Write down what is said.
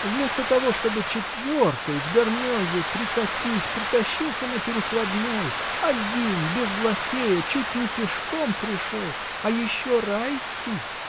Вместо того чтобы четверкой в дормезе прикатить, притащился на перекладной, один, без лакея, чуть не пешком пришел! А еще Райский!